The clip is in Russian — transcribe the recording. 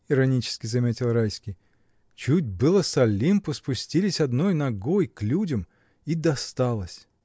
— иронически заметил Райский, — чуть было с Олимпа спустились одной ногой к людям — и досталось.